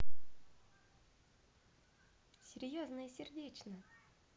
серьезно и сердечно